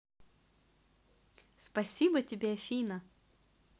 спасибо тебе афина